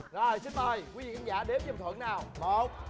rồi xin mời quỳ vị khán giả đếm giùm thuận nào một